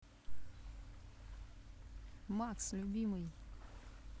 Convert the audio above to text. max любимый